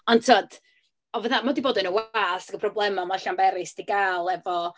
Ond tibod... ond fatha ma' 'di bod yn y wasg y problemau mae Llanberis 'di gael efo...